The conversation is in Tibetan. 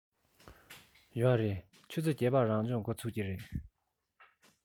ཡོད རེད ཆུ ཚོད བརྒྱད པར རང སྦྱོང འགོ ཚུགས ཀྱི རེད